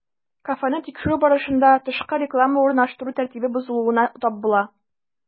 Кафены тикшерү барышында, тышкы реклама урнаштыру тәртибе бозылуына тап була.